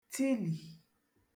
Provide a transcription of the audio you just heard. tilì